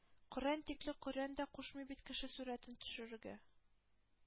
Коръән тикле Коръән дә кушмый бит кеше сурәтен төшерергә.